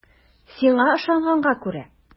Сиңа ышанганга күрә.